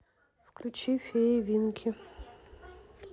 включи феи винки